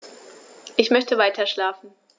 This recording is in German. Ich möchte weiterschlafen.